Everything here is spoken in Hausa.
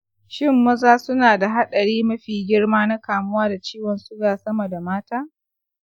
shin maza su na da hadari mafi girma na kamuwa da ciwon suga sama da mata?